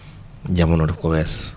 jamono daf ko wees